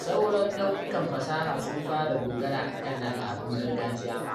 sauran nau'ikan fasaha sun fara dogara akan al'adun gargajiya ma.